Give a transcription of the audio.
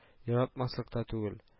Яратмаслык та түгел